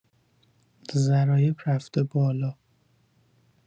ضرایب رفته بالا